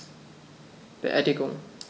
Beerdigung